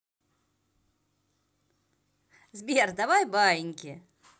сбер давай баиньки